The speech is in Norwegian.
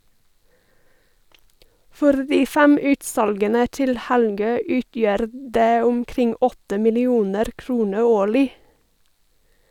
For de fem utsalgene til Helgø utgjør det omkring 8 millioner kroner årlig.